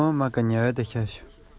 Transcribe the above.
ད དུང ཇ ཚ པོ ཅུང ཙམ བསྲེས རྗེས